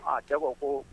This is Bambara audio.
Aa cɛ kɔ koo